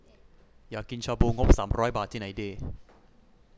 อยากกินชาบูงบสามร้อยบาทที่ไหนดี